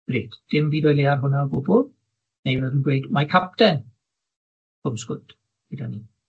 Grêt, dim byd o'i le ar hwnna o gwbwl, neu fydd yn dweud mae capten Cwm Sgwt gyda ni,